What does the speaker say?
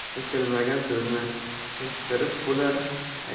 aytilmagan so'zni ayttirib bo'lar